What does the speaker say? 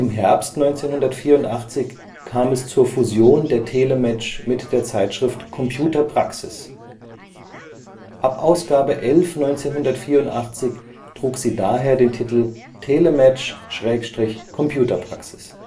Herbst 1984 kam es zur Fusion der TeleMatch mit der Zeitschrift Computer Praxis. Ab Ausgabe 11/84 trug sie daher den Titel „ Telematch / Computer Praxis